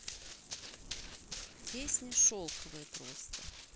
песня шелковая просто